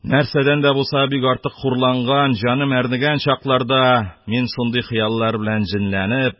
Нәрсәдән дә булса бик артык хурланган, җаным әрнегән чакларда мин шундый хыяллар белән җенләнеп,